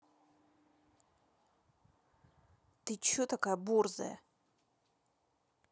ты че такая борзая